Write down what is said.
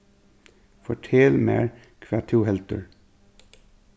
fortel mær hvat tú heldur s